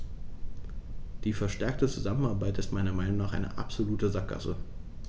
Die verstärkte Zusammenarbeit ist meiner Meinung nach eine absolute Sackgasse.